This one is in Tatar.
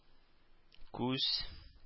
Күз